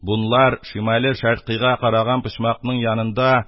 Бунлар шимале шәркыйгә караган почмакның янында